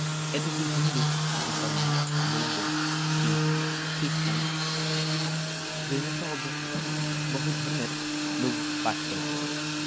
এ দেশে হিন্দু মুসলমান বৌদ্ধ শিখ খিস্টান জৈনসহ বহু ধর্মের লোক বাস করে